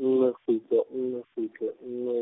nngwe kgutlo nngwe kgutlo nngwe,